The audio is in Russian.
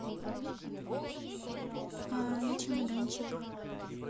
а на чемоданчик